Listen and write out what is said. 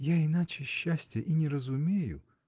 — Я иначе счастья и не разумею.